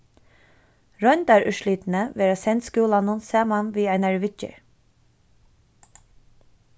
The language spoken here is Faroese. royndarúrslitini verða send skúlanum saman við einari viðgerð